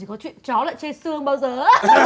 có chuyện chó lại chê xương bao giờ